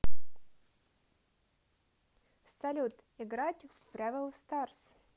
салют играть в brawl stars